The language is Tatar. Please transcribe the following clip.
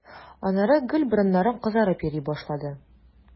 Аннары гел борыннарың кызарып йөри башлады.